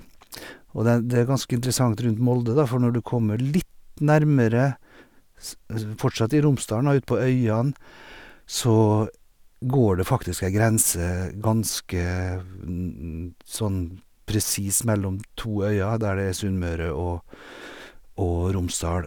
Og den det er ganske interessant rundt Molde, da, for når du kommer litt nærmere s esv fortsatt i Romsdalen og utpå øyene, så går det faktisk ei grense ganske v n nd sånn presis mellom to øyer, der det er Sunnmøre og og Romsdal.